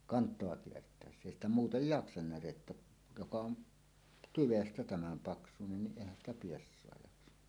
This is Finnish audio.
kantoa kiertäessä ei sitä muuten jaksa närettä joka on tyvestä tämän paksuinen niin eihän sitä piessaa jaksa